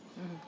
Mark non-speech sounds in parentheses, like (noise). (hesitation) (hesitation)